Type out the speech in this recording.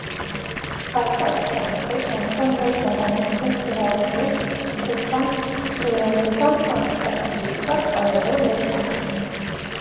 Այս ակցիան ոչ այնքան նոր բաժանորդներ գրավելու, որքան լոյալության ակցիա էր, և շատ կարևոր մեզ համար։